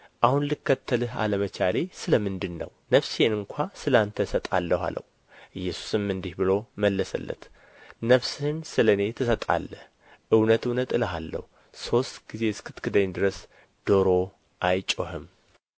አሁን ልከተልህ አለመቻሌ ስለ ምንድር ነው ነፍሴን ስንኳ ስለ አንተ እሰጣለሁ አለው ኢየሱስም እንዲህ ብሎ መለሰለት ነፍስህን ስለ እኔ ትሰጣለህን እውነት እውነት እልሃለሁ ሦስት ጊዜ እስክትክደኝ ድረስ ዶሮ አይጮኽም